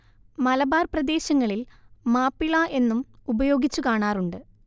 മലബാർ പ്രദേശങ്ങളിൽ മാപ്പിള എന്നും ഉപയോഗിച്ചു കാണാറുണ്ട്